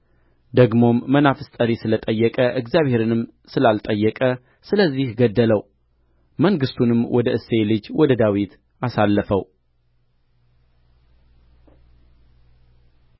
ደግሞም መናፍስት ጠሪ ስለ ጠየቀ እግዚአብሔርንም ስላልጠየቀ ስለዚህ ገደለው መንግሥቱንም ወደ እሴይ ልጅ ወደ ዳዊት አሳለፈው